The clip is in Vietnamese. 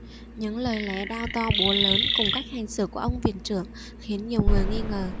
những lời lẽ đao to búa lớn cùng cách hành xử của ông viện trưởng khiến nhiều người nghi ngờ